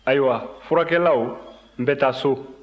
ayiwa furakɛlaw n bɛ taa so